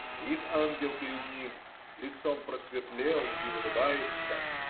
Стоит ангел перед ним: лицом просветлел и улыбается